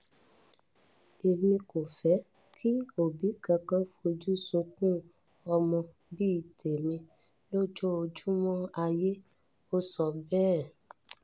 "Èmi kó fẹ́ kí òbí kankan fójú sunkún ọmọ bí tèmi lójoojúmọ́ ayé,” ó sọ bẹ́ẹ̀,”